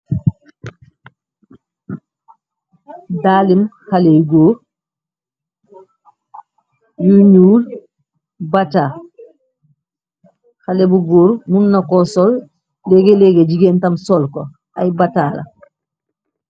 Dalli xaleh yu gór yu ñuul bataa xalèh bu gór mun na ko sol léegée léegée jigéen tam sol ko ay bataa la.